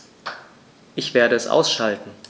Ich werde es ausschalten